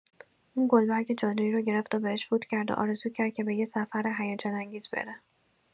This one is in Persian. اون گلبرگ جادویی رو گرفت و بهش فوت کرد و آرزو کرد که به یه سفر هیجان‌انگیز بره.